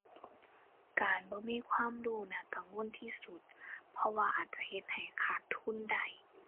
การบ่มีความรู้น่ากังวลที่สุด เพราะว่าอาจจะเฮ็ดให้ขาดทุนได้